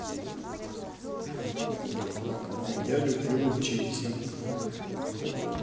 а я люблю учиться